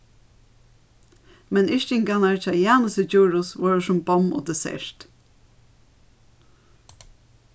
men yrkingarnar hjá janusi djurhuus vóru sum bomm og dessert